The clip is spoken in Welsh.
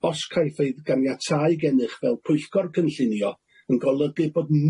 os caiff ei ganiatáu gennych fel pwyllgor cynllunio yn golygu bod